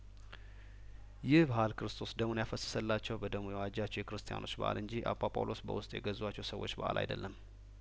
ይህ በአል ክርስቶስ ደሙን ያፈሰሰላቸው በደሙ የዋጃቸው ክርስቲያኖች በአል እንጂ አባ ጳውሎስ በውስጥ የገዙአቸው ሰዎች በአል አይደለም